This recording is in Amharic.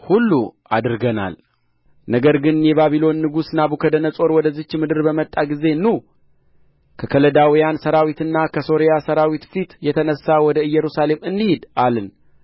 ሁሉ አድርገናል ነገር ግን የባቢሎን ንጉሥ ናቡከደነፆር ወደዚህች ምድር በመጣ ጊዜ ኑ ከከለዳውያን ሠራዊትና ከሶርያ ሠራዊት ፊት የተነሣ ወደ ኢየሩሳሌም እንሂድ አልን